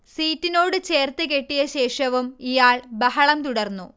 സീറ്റിനോട് ചേർത്ത് കെട്ടിയ ശേഷവും ഇയാൾ ബഹളം തുടർന്നു